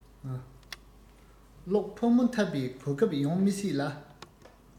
གློག ཕོ མོ འཐབས པའི གོ སྐབས ཡོང མི སྲིད ལ